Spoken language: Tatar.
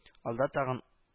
Алда тагын